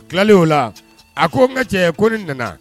Tilalen o la a ko n ka cɛ ko ne nana